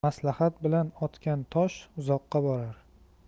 maslahat bilan otgan tosh uzoqqa borar